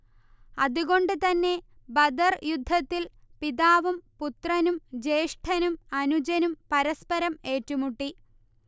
അത് കൊണ്ട് തന്നെ ബദർ യുദ്ധത്തിൽ പിതാവും പുത്രനും ജ്യേഷ്ഠനും അനുജനും പരസ്പരം ഏറ്റുമുട്ടി